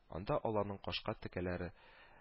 Анда алланың кашка тәкәләре